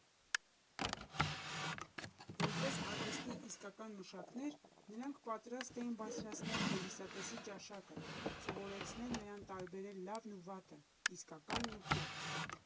Որպես արվեստի իսկական մշակներ՝ նրանք պատրաստ էին բարձրացնել հանդիսատեսի ճաշակը, սովորեցնել նրան տարբերել լավն ու վատը, իսկականն ու կեղծը։